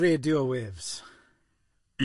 Radio Waves.